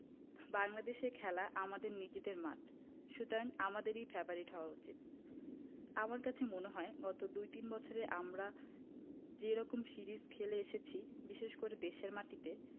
বাংলাদেশে খেলা আমাদের নিজেদের মাঠ সুতরাং আমাদেরই ফেবারিট হওয়া উচিত আমার কাছে মনে হয় গত দুই তিন বছরে আমরা যে রকম সিরিজ খেলে এসেছি বিশেষ করে দেশের মাটিতে